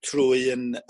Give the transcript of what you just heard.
Trwy 'yn